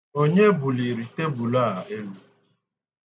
Onye buliri tebulu a elu.